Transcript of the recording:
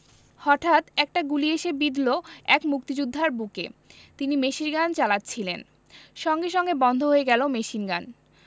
হতাৎ একটা গুলি এসে বিঁধল এক মুক্তিযোদ্ধার বুকে তিনি মেশিনগান চালাচ্ছিলেন সঙ্গে সঙ্গে বন্ধ হয়ে গেল মেশিনগান